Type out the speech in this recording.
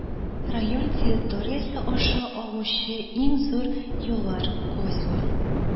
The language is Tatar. Район территориясе аша агучы иң зур елгалар: Косьва